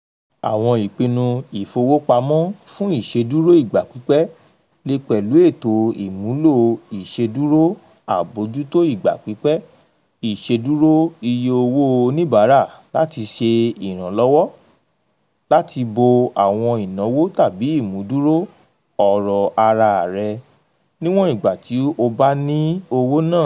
Àwọn ìpinnu ìfowópamọ́ fún ìṣedúró ìgbà pípẹ́ lè pẹ̀lú ètò ìmúlò ìṣedúró àbojútó ìgbà pípẹ́, ìṣedúró iye owó oníbàárà láti ṣe ìrànlọ́wọ́ láti bo àwọn ìnáwó tàbí ìmúdúró ọ̀rọ̀ ara rẹ̀ - níwọn ìgbà tí ó bá ní owó náà.